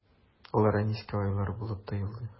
Алар Әнискә айлар булып тоелды.